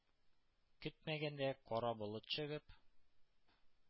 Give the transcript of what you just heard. Көтмәгәндә, кара болыт чыгып,